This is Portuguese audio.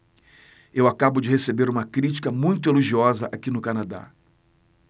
eu acabo de receber uma crítica muito elogiosa aqui no canadá